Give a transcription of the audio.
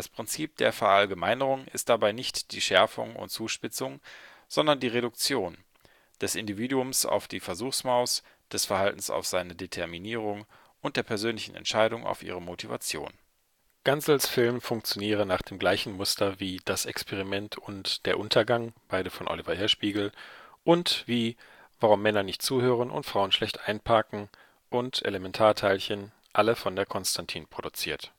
Prinzip der Verallgemeinerung ist dabei nicht die Schärfung und Zuspitzung, sondern die Reduktion: des Individuums auf die Versuchsmaus, des Verhaltens auf seine Determinierung […] und der persönlichen Entscheidung auf ihre Motivation. “Gansels Film funktioniere nach dem gleichen Muster wie Das Experiment und Der Untergang (beide von Oliver Hirschbiegel), und wie Warum Männer nicht zuhören und Frauen schlecht einparken und Elementarteilchen, alle von der Constantin produziert